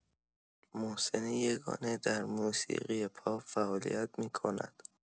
محسن یگانه در موسیقی پاپ فعالیت می‌کند.